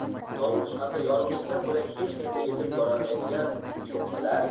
tovush hamda yorug'likdan bo'lak hech narsa yetib borolmaydigan cho'qqilar